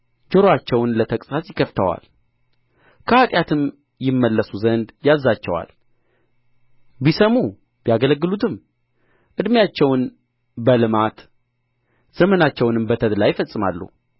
ጆሮአቸውን ለተግሣጽ ይከፍተዋል ከኃጢአትም ይመለሱ ዘንድ ያዝዛቸዋል ቢሰሙ ቢያገለግሉትም ዕድሜአቸውን በልማት ዘመናቸውንም በተድላ ይፈጽማሉ